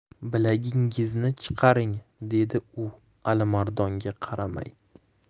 bilagingizni chiqaring dedi u alimardonga qaramay